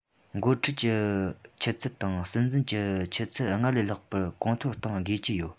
འགོ ཁྲིད ཀྱི ཆུ ཚད དང སྲིད འཛིན གྱི ཆུ ཚད སྔར ལས ལྷག པར གོང མཐོར གཏོང དགོས ཀྱི ཡོད